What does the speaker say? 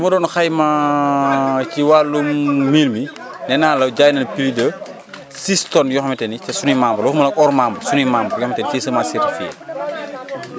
tey su ma doon xayma ci wàllum mil mi nee naa la jaay nañu plus de 6 tonnes yoo xamante ni ci suñuy membres waxuma nag hors membres yoo xam ne si semence certifiée